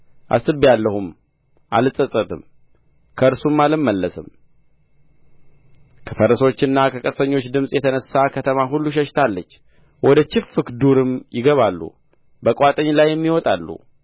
አስቤአለሁም አልጸጸትም ከእርሱም አልመለስም ከፈረሰኞችና ከቀስተኞች ድምፅ የተነሣ ከተማ ሁሉ ሸሽታለች ወደ ችፍግ ዱርም ይገባሉ በቋጥኝ ላይም ይወጣሉ